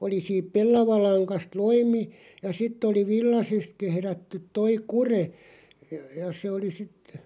oli siitä pellavalangasta loimi ja sitten oli villaisesta kehrätty tuo kude ja se oli sitten